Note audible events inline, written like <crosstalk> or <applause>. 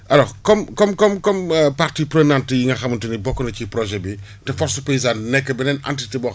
alors comme comme comme comme <hesitation> parties prenantes yi nga xamante ni bokk na ci projet bi <breath> te force paysane nekk beneen entité boo